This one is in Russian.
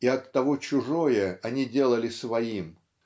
и оттого чужое они делали своим